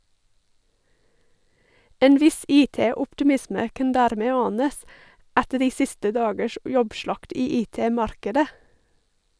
En viss IT-optimisme kan dermed anes, etter de siste dagers jobbslakt i IT-markedet.